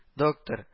Доктор